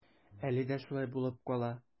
Әле дә шулай булып кала.